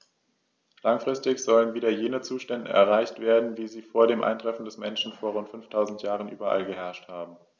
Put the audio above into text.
Langfristig sollen wieder jene Zustände erreicht werden, wie sie vor dem Eintreffen des Menschen vor rund 5000 Jahren überall geherrscht haben.